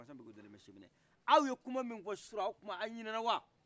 masa mbeku dalen do semɛnɛ aw ye kuma min fɔ sura o kuma aw ɲinɛna wa